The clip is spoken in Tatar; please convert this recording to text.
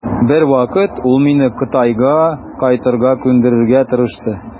Бер вакыт ул мине Кытайга кайтырга күндерергә тырышты.